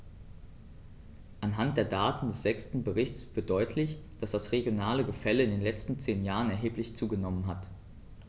Anhand der Daten des sechsten Berichts wird deutlich, dass das regionale Gefälle in den letzten zehn Jahren erheblich zugenommen hat.